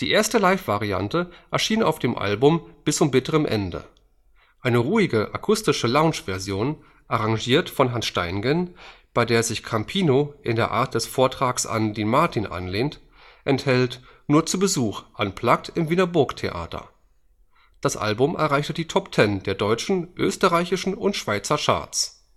erste Live-Variante erschien auf dem Album Bis zum bitteren Ende. Eine ruhige akustische Lounge-Version, arrangiert von Hans Steingen, bei der sich Campino in der Art des Vortrags an Dean Martin anlehnt, enthält Nur zu Besuch: Unplugged im Wiener Burgtheater. Das Album erreichte die Top 10 der deutschen, österreichischen und schweizer Charts